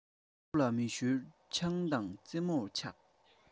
སློབ ལ མི ཞོལ ཆང དང རྩེད མོར ཆགས